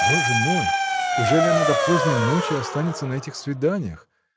— Боже мой, ужели она до поздней ночи остается на этих свиданиях?